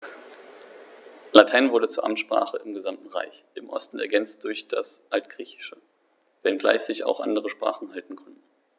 Latein wurde zur Amtssprache im gesamten Reich (im Osten ergänzt durch das Altgriechische), wenngleich sich auch andere Sprachen halten konnten.